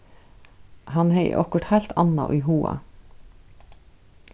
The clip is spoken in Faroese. hann hevði okkurt heilt annað í huga